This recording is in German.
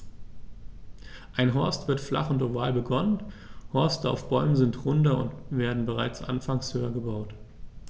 Ein Horst wird flach und oval begonnen, Horste auf Bäumen sind runder und werden bereits anfangs höher gebaut.